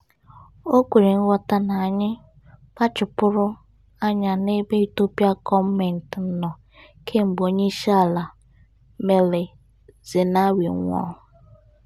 O kwere nghọta na anyị kpachapụrụ anya n'ebe Ethiopia gọọmenti nọ kemgbe onyeisiala Meles Zenawi nwụrụ.